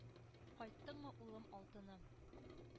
Кайттыңмы, улым, алтыным!